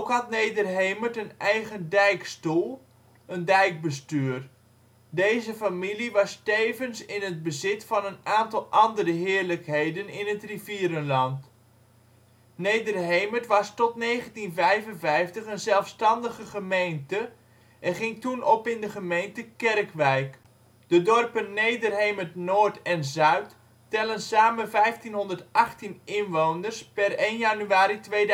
had Nederhemert een eigen dijkstoel (dijkbestuur). Deze familie was tevens in het bezit van een aantal andere heerlijkheden in het rivierenland. Nederhemert was tot 1955 een zelfstandige gemeente en ging toen op in de gemeente Kerkwijk. De dorpen Nederhemert-Noord en - Zuid tellen samen 1518 inwoners (per 1 januari 2010